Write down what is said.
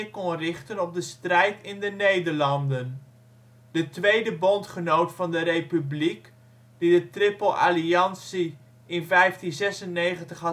kon richten op de strijd in de Nederlanden. De tweede bondgenoot van de Republiek die de Triple Alliantie in 1596 had ondertekend